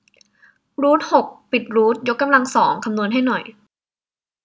รูทหกปิดรูทยกกำลังสองคำนวณให้หน่อย